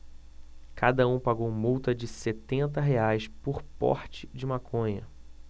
cada um pagou multa de setenta reais por porte de maconha